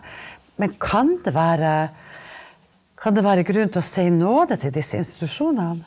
men kan det være kan det være grunn til å se i nåde til disse institusjonene?